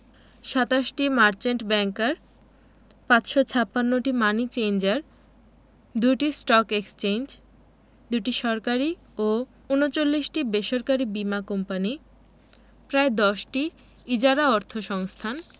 ২৭টি merchant banker ৫৫৬টি money changer ২টি স্টক এক্সচেঞ্জ ২টি সরকারি ও ৩৯টি বেসরকারি বীমা কোম্পানি প্রায় ১০টি ইজারা অর্থসংস্থান